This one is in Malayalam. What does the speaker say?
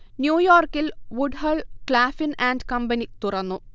ന്യൂയോർക്കിൽ വുഡ്ഹൾ, ക്ലാഫ്ലിൻ ആൻഡ് കമ്പനി തുറന്നു